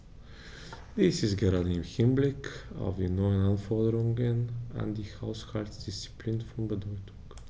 Dies ist gerade im Hinblick auf die neuen Anforderungen an die Haushaltsdisziplin von Bedeutung.